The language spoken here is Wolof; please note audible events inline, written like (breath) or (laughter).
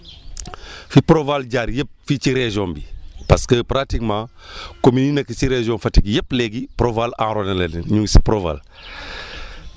(smacks lips) fi Proval jaar yëpp fii ci région bi parce que pratiquement (breath) communes yi nekk si région Fatick yëpp léegi Proval enrôlé na leen ñu ngi si Proval (breath)